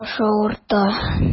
Баш авырта.